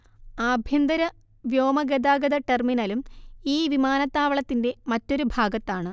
ആഭ്യന്തര വ്യോമഗതാഗത ടെർമിനലും ഈ വിമാനത്താവളത്തിന്റെ മറ്റൊരു ഭാഗത്താണ്